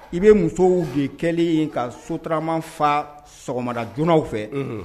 I bɛ musow bi kɛli in ka sotarama fa sɔgɔma joonaw fɛ